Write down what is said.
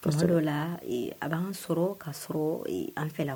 Faso dɔ la , a ban sɔrɔ ka sɔrɔ a fɛ la ko tɛ.